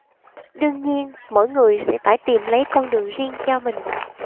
đương nhiên mỗi người sẽ phải tìm lấy con đường riêng cho mình